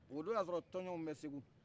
o don y'a sɔrɔ tɔnjɔnw bɛ segu